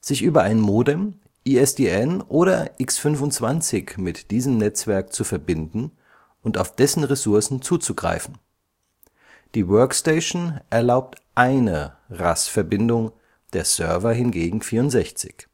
sich über ein Modem, ISDN oder X.25 mit diesem Netzwerk zu verbinden und auf dessen Ressourcen zugreifen. Die Workstation erlaubt eine RAS-Verbindung, der Server hingegen 64.